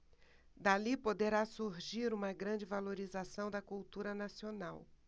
dali poderá surgir uma grande valorização da cultura nacional